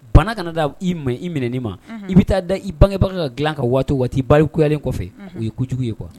Bana ka na dan i minɛli ma, i bɛ taa da i bangebaga ka dilan ka waati o waati i balekuyalen kɔfɛ o ye kojugu quoi unhun